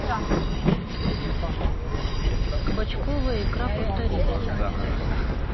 кабачковая икра повторить